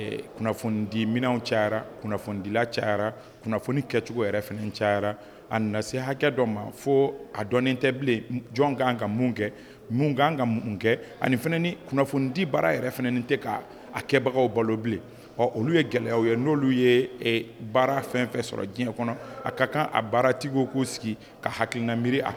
A se hakɛ dɔ ma fo tɛ jɔn k' ka mun kɛ ka mun kɛ ani kunnafonidi baara fana tɛ ka kɛbagaw balo bilen ɔ olu ye gɛlɛya ye n'olu ye baara fɛn sɔrɔ diɲɛ kɔnɔ a ka kan a baaratigiw k' sigi ka hakilikiina miiri